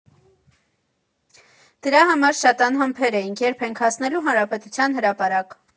Դրա համար շատ անհամբեր էինք՝ երբ ենք հասնելու Հանրապետության հրապարակ։